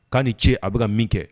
K'a ni ce cɛ a bɛ bɛka ka min kɛ